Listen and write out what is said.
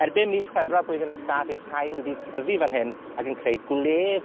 Erbyn mis Chwefror blwyddyn nesa, bydd rhain wedi tyfu fan hyn, ac yn creu gwledd